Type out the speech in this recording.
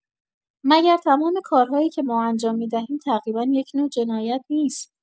مگر تمام کارهایی که ما انجام می‌دهیم تقریبا یک نوع جنایت نیست؟